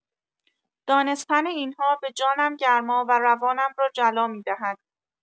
دانستن این‌ها به جانم گرما و روانم را جلا می‌دهد.